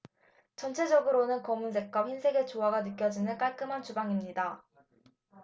전체적으로 검은색과 흰색의 조화가 느껴지는 깔끔한 주방입니다